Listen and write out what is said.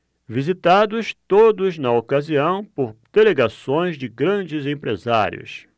visitados todos na ocasião por delegações de grandes empresários